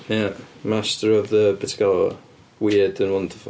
Ia, master of the be ti'n galw fo? Weird and wonderful.